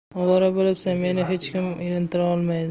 ovora bo'libsan meni hech kim ilintira olmaydi